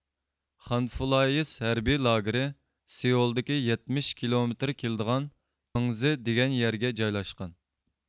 خانفۇلايىس ھەربىي لاگېرى سېئۇلدىكى يەتمىش كىلومېتىر كېلىدىغان پىڭزې دېگەن يەرگە جايلاشقان